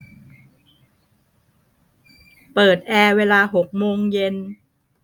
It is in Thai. เปิดแอร์เวลาหกโมงเย็น